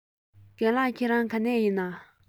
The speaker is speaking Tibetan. རྒན ལགས ཁྱེད རང ག ནས ཡིན ན